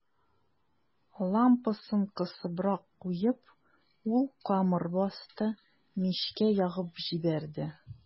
Лампасын кысыбрак куеп, ул камыр басты, мичкә ягып җибәрде.